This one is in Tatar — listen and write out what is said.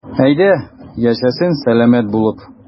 Әйдә, яшәсен сәламәт булып.